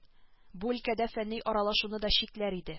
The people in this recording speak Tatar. Бу өлкәдә фәнни аралашуны да чикләр иде